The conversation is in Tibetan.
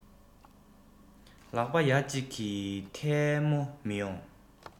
ལག པ ཡ གཅིག གིས ཐལ མོ མི ཡོང